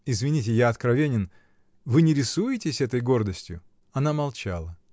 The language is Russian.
извините, я откровенен: вы не рисуетесь этой гордостью? Она молчала.